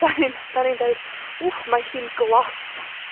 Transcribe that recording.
'dan ni'n 'dan ni'n deud wff, mae hi'n glos.